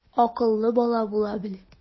Акыллы була бел.